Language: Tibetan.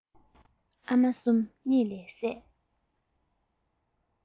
ཨ མ གསུམ གཉིད ལས སད